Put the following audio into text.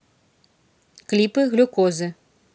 клипы глюкозы